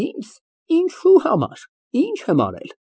Ի՞նձ։ Ի՞նչու համար, ի՞նչ եմ արել։